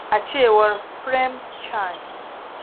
A cewar prem Chand: